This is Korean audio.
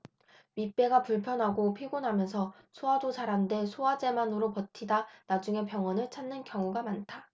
윗배가 불편하고 피곤하면서 소화도 잘 안 돼 소화제만으로 버티다 나중에 병원을 찾는 경우가 많다